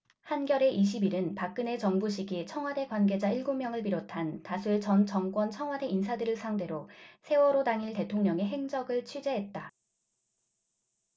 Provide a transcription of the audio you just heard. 한겨레 이십 일 은 박근혜 정부 시기 청와대 관계자 일곱 명을 비롯한 다수의 전 정권 청와대 인사들을 상대로 세월호 당일 대통령의 행적을 취재했다